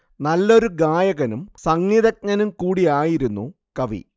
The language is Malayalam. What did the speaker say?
നല്ലൊരു ഗായകനും സംഗീതഞ്ജനും കൂടിയായിരുന്നു കവി